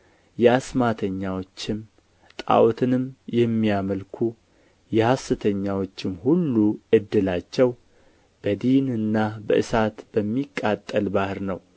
የአስማተኛዎችም ጣዖትንም የሚያመልኩ የሐሰተኛዎችም ሁሉ ዕድላቸው በዲንና በእሳት በሚቃጠል ባሕር ነው